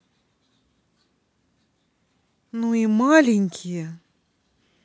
ну и маленькие